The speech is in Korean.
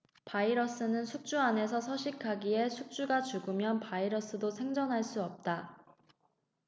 바이러스는 숙주 안에서만 서식하기에 숙주가 죽으면 바이러스도 생존할 수 없다